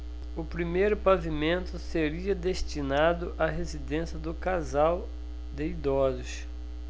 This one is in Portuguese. o primeiro pavimento seria destinado à residência do casal de idosos